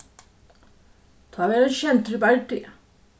tá verður hann ikki sendur í bardaga